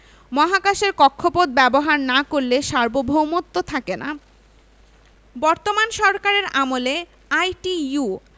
মহাকাশের কক্ষপথ ব্যবহার না করলে সার্বভৌমত্ব থাকে না বর্তমান সরকারের আমলে আইটিইউ